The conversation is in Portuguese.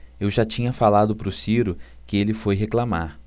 eu já tinha falado pro ciro que ele foi reclamar